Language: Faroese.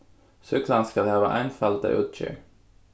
súkklan skal hava einfalda útgerð